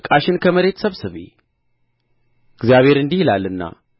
ዕቃሽን ከመሬት ሰብስቢ እግዚአብሔር እንዲህ ይላልና